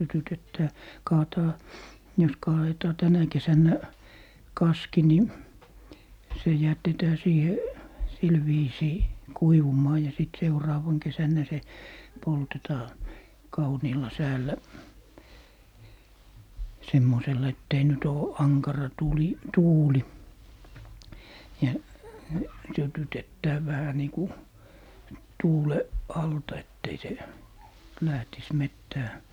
sytytetään kaadetaan jos kaadetaan tänä kesänä kaski niin se jätetään siihen sillä viisiin kuivumaan ja sitten seuraavana kesänä se poltetaan kauniilla säällä semmoisella että ei nyt ole ankara tuuli tuuli ja sytytetään vähän niin kun tuulen alta että ei se lähtisi metsään